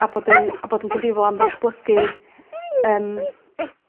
a bod yn a bod yn gyfrifol am ddatblygu yym